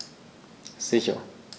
Sicher.